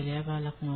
Gɛlɛya b'a la kuma